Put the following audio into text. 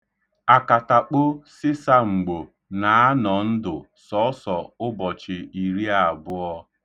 Akatakpo sịsamgbo na-anọ ndụ sọọsọ ụbọchị iri abụọ.